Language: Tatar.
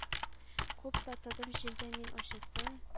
Күп татыдым җирдә мин ачысын